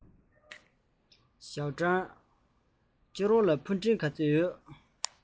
ཞའོ ཀྲང རང ལ ཕུ འདྲེན ག ཚོད ཡོད